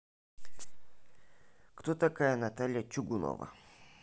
кто такая наталья чугунова